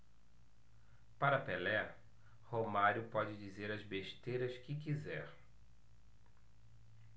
para pelé romário pode dizer as besteiras que quiser